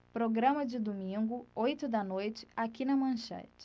programa de domingo oito da noite aqui na manchete